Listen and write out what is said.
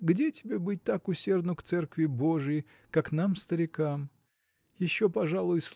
где тебе быть так усердну к церкви божией, как нам, старикам? Еще пожалуй